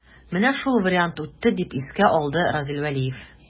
Менә шул вариант үтте, дип искә алды Разил Вәлиев.